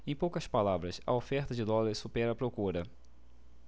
em poucas palavras a oferta de dólares supera a procura